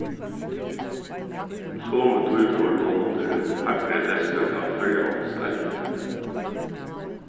um somu tíð fór hon undir hægri lestur á føroyamálsdeildini